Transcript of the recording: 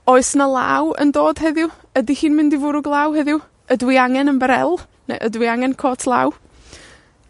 oes 'na law yn dod heddiw? Ydi hi'n mynd i fwrw glaw heddiw? Ydw i angen ymbarel? Neu ydw i angen cot law?